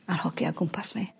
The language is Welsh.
a'r hogia o gwmpas fi.